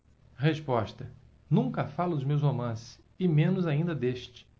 resposta nunca falo de meus romances e menos ainda deste